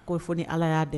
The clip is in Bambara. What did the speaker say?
K' fɔ ni ala y'a dɛ